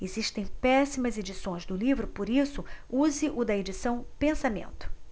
existem péssimas edições do livro por isso use o da edição pensamento